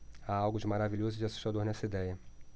há algo de maravilhoso e de assustador nessa idéia